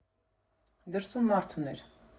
Դրսում մարդ ուներ։